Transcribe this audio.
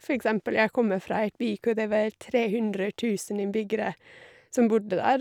For eksempel, jeg kommer fra et by hvor det er vel tre hundre tusen innbyggere som bodde der.